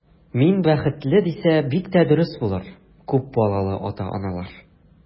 Мин бәхетле, дисә, бик тә дөрес булыр, күп балалы ата-аналар.